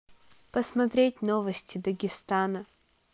посмотреть новости дагестана